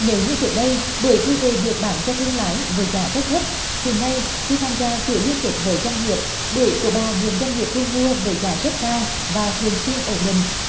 nếu như trước đây bưởi thu về được bán cho thương lái với giá rất thấp thì nay khi tham gia chuỗi liên kết với doanh nghiệp bưởi của bà được doanh nghiệp thu mua với giá rất cao và thường xuyên ổn định